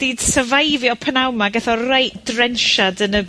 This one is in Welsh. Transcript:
...'di syfeifio pynawn 'ma, gath o reit drensiad yn y